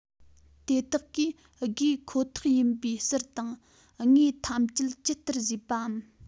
དེ དག གིས དགོས ཁོ ཐག ཡིན པའི ཟུར དང ངོས ཐམས ཅད ཇི ལྟར བཟོས པའམ